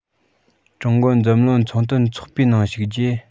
ཀྲུང གོ འཛམ གླིང ཚོང དོན ཚོགས པའི ནང ཞུགས རྗེས